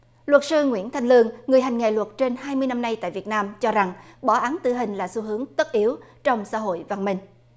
luật sư nguyễn thanh lương người hành nghề luật trên hai mươi năm nay tại việt nam cho rằng bỏ án tử hình là xu hướng tất yếu trong xã hội văn minh